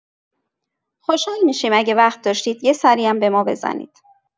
خوشحال می‌شیم اگه وقت داشتید یه سری هم به ما بزنید.